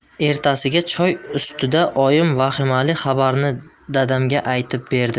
ertasiga choy ustida oyim vahimali xabarni dadamga aytib berdi